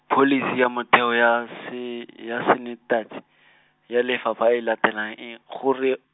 pholisi ya motheo ya se, ya sanetasi , ya lefapha e latelang e gore.